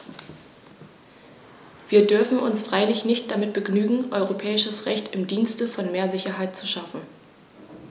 Wir dürfen uns freilich nicht damit begnügen, europäisches Recht im Dienste von mehr Sicherheit zu schaffen.